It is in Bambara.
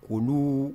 K'olu